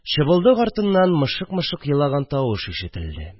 Чыбылдык артыннан мышык-мышык елаган тавыш ишетелде